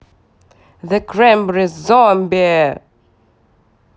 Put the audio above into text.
the крембрис зомби